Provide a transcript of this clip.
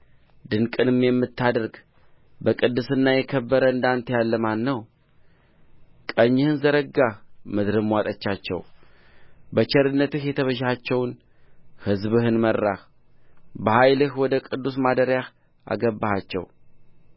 ድንቅንም የምታደርግ በቅድስና የከበረ እንደ አንተ ያለ ማን ነው ቀኝህን ዘረጋህ ምድርም ዋጠቻቸው በቸርነትህ የተቤዠሃቸውን ሕዝብህን መራህ በኃይልህ ወደ ቅዱስ ማደሪያህ አገባሃቸው